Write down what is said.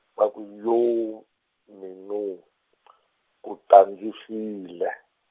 va ku yooo minooo , ku ta ndzi file.